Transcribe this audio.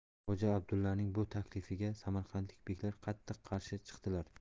xo'ja abdullaning bu taklifiga samarqandlik beklar qattiq qarshi chiqdilar